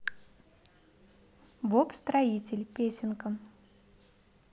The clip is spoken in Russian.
боб строитель песенка